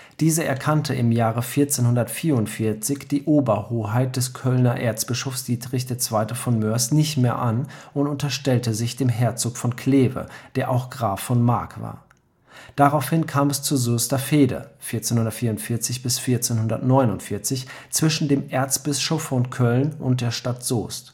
Diese erkannte im Jahre 1444 die Oberhoheit des Kölner Erzbischofs Dietrich II. von Moers nicht mehr an und unterstellte sich dem Herzog von Kleve, der auch Graf von Mark war. Daraufhin kam es zur Soester Fehde (1444 – 1449) zwischen dem Erzbischof von Köln und der Stadt Soest